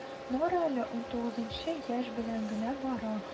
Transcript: Нора әле унтугызынчы яшь белән генә бара—